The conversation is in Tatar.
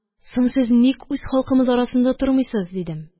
Сез соң ник үз халкымыз арасында тормыйсыз? – дидем.